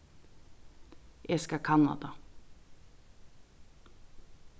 eg skal kanna tað